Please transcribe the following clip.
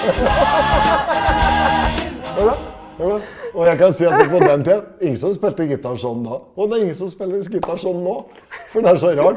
det er bra det er bra og jeg kan si at på den tida ingen som spilte gitar sånn da, og det er ingen som spiller gitar sånn nå for det er så rart.